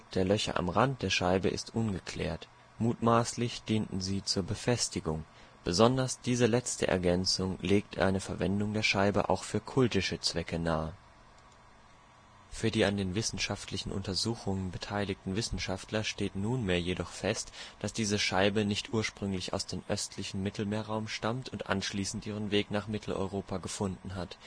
der Löcher am Rand der Scheibe ist ungeklärt, mutmaßlich dienten sie zur Befestigung. Besonders diese letzte Ergänzung legt eine Verwendung der Scheibe auch für kultische Zwecke nahe. Für die an den wissenschaftlichen Untersuchungen beteiligten Wissenschaftler steht nunmehr jedoch fest, dass diese Scheibe nicht ursprünglich aus dem östlichen Mittelmeerraum stammt und anschließend ihren Weg nach Mitteleuropa gefunden hat